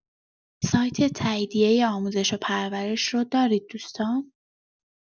سایت تاییدیه آموزش و پرورش رو دارید دوستان؟